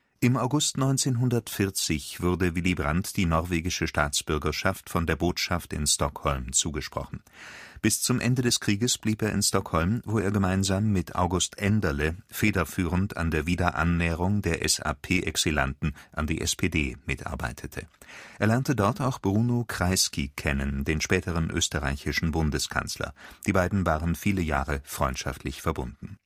Im August 1940 wurde ihm die norwegische Staatsbürgerschaft von der Botschaft in Stockholm zugesprochen. Bis zum Ende des Krieges blieb er in Stockholm, wo er gemeinsam mit August Enderle federführend an der Wiederannäherung der SAP-Exilanten an die SPD mitarbeitete. Er lernte dort auch Bruno Kreisky, den späteren österreichischen Bundeskanzler, kennen. Die beiden waren jahrelang freundschaftlich verbunden